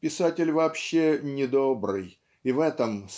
писатель вообще недобрый и в этом